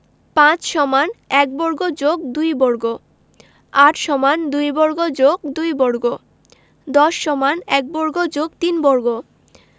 ৫ = ১ বর্গ + ২ বর্গ ৮ = ২ বর্গ + ২ বর্গ ১০ = ১ বর্গ + ৩ বর্গ